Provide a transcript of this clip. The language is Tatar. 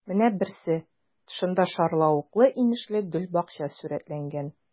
Менә берсе: тышында шарлавыклы-инешле гөлбакча сурәтләнгән.